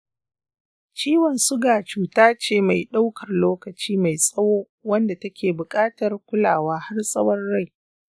ciwon suga cuta ce mai ɗaukar lokaci mai tsawo wadda take buƙatar kulawa har tsawon rai.